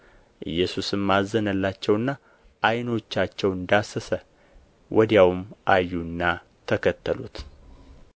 ኢየሱስም አዘነላቸውና ዓይኖቻቸውን ዳሰሰ ወዲያውም አዩና ተከተሉት